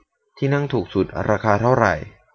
ที่นั่งถูกสุดราคาเท่าไหร่